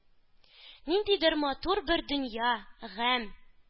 Ниндидер матур бер дөнья, гамь,